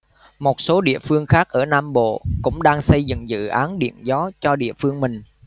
một số địa phương khác ở nam bộ cũng đang xây dựng dự án điện gió cho địa phương mình